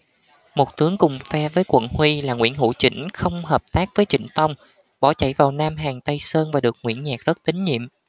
một tướng cùng phe với quận huy là nguyễn hữu chỉnh không hợp tác với trịnh tông bỏ chạy vào nam hàng tây sơn và được nguyễn nhạc rất tín nhiệm